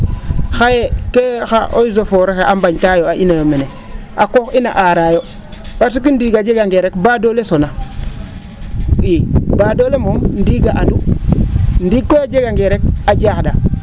xaye kee xa eaux et foret xe a mbañtaa yo a inoyo mene a qoox ina aaraayo parce que ndiig a jegangee rek baadoola sonaa in baadoola moom ndiig a andu ndiig koy a jegangee rek a jax?a